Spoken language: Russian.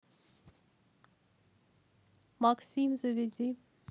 максим заведи